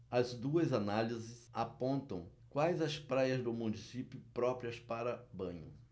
as duas análises apontam quais as praias do município próprias para banho